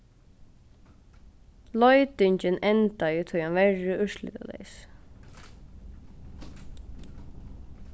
leitingin endaði tíanverri úrslitaleys